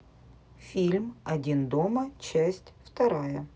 фильм один дома часть вторая